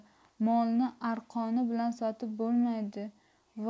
molni arqoni bilan sotib bo'lmaydi